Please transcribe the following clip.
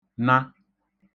-na